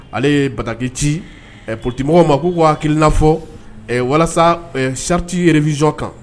Ale ye bataki ci ɛ politique mɔgɔw ma k'u k'u hakilina fɔ ɛ walasa ɛ charte révision kan